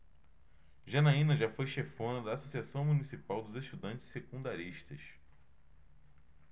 janaina foi chefona da ames associação municipal dos estudantes secundaristas